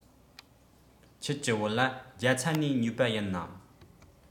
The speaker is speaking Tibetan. ཁྱེད ཀྱི བོད ལྭ རྒྱ ཚ ནས ཉོས པ ཡིན ནམ